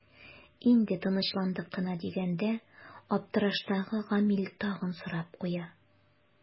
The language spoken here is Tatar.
Инде тынычландык кына дигәндә аптыраштагы Гамил тагын сорап куя.